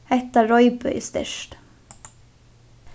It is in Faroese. hetta reipið er sterkt